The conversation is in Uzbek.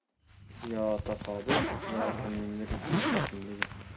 yo tasodif yo kimningdir befahmligi